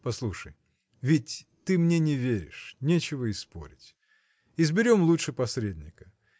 – Послушай: ведь ты мне не веришь, нечего и спорить изберем лучше посредника.